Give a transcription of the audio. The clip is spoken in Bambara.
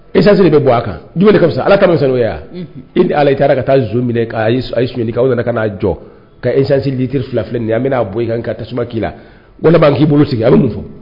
Esansiri de bɛ bɔ a kan ala kasɛn n'oya ala taara ka taa minɛ ayi sunjatali k' ka'a jɔ ka ezsansirilitiriri fila filɛ nin ye an bɛna'a bɔ i kan ka tasuma k'i la wala k'i bolo sigi a bɛ mun fɔ